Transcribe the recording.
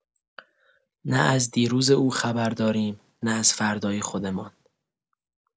نه از دیروز او خبر داریم، نه از فردای خودمان